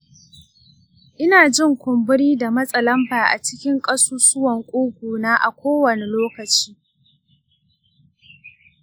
ina jin kumburi da matsa lamba a cikin ƙasusuwan ƙuguna a kowane lokaci.